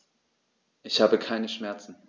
Ich habe keine Schmerzen.